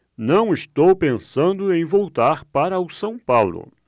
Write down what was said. não estou pensando em voltar para o são paulo